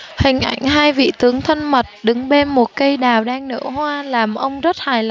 hình ảnh hai vị tướng thân mật đứng bên một cây đào đang nở hoa làm ông rất hài